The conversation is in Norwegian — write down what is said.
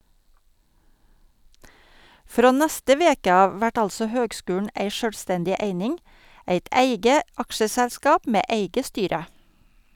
Frå neste veke av vert altså høgskulen ei sjølvstendig eining, eit eige aksjeselskap med eige styre.